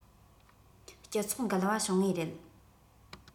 སྤྱི ཚོགས འགལ བ བྱུང ངེས རེད